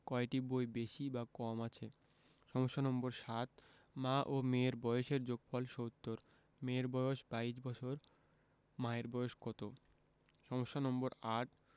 কয়টি বই বেশি বা কম আছে সমস্যা নম্বর ৭ মা ও মেয়ের বয়সের যোগফল ৭০ মেয়ের বয়স ২২ বছর মায়ের বয়স কত সমস্যা নম্বর ৮